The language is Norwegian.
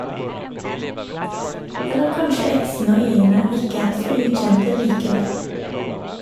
Eller kanskje x'ene og y'ene ikke er så ukjente likevel.